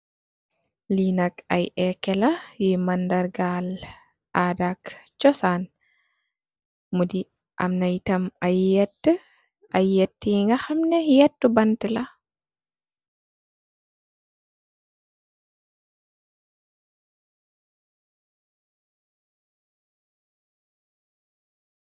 Lii nak ab eetë la, eetë buy mandargal aada ak cosaan. Am na itam ay yettë, ay yettë yi nga xam ne, yettë bantë la.